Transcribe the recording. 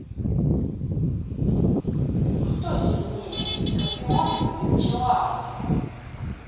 кто сильнее скорпион или пчела